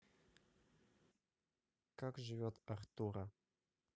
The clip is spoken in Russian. как живет артура